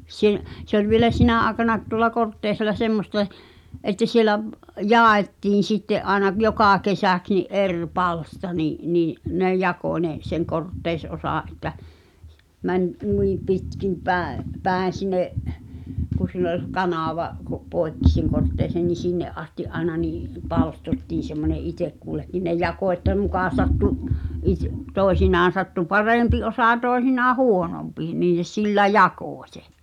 - se oli vielä sinä aikanakin tuolla Kortteisella semmoista että siellä - jaettiin sitten aina joka kesäksi niin eri palsta niin niin ne jakoi ne sen Kortteis-osan että meni noin pitkin päin päin sinne kun siinä oli se kanava - poikki sen Kortteisen niin sinne asti aina niin palstottiin semmoinen itse kullekin ne jakoi että muka sattui - toisinaan sattui parempi osa toisinaan huonompi niin ne sillä jakoi sen